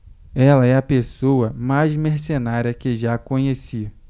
ela é a pessoa mais mercenária que já conheci